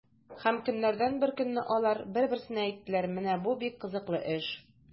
Һәм көннәрдән бер көнне алар бер-берсенә әйттеләр: “Менә бу бик кызыклы эш!”